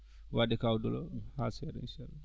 wadde kaw Dolo ha seeɗa inchallah